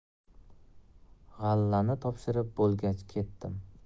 g'allani topshirib bo'lgach ketdim